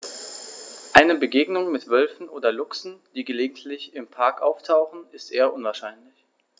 Eine Begegnung mit Wölfen oder Luchsen, die gelegentlich im Park auftauchen, ist eher unwahrscheinlich.